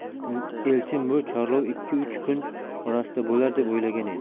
elchin bu chorlov ikki uch kun orasida bo'lar deb o'ylagan edi